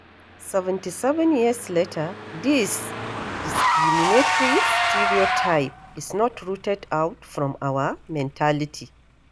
77 years later this [discriminatory stereotype] is not rooted out from our mentality.